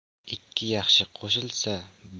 ikki yaxshi qo'shilsa